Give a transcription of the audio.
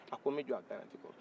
a ko n bɛ jɔ a garanti kɔrɔ